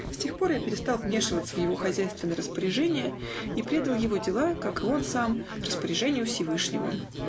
С тех пор перестал я вмешиваться в его хозяйственные распоряжения и передал его дела (как и он сам) распоряжению всевышнего.